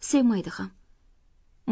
sevmaydi ham